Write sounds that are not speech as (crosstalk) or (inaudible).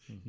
(hesitation) (hesitation)